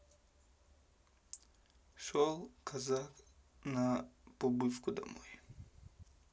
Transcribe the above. шел казак на побывку домой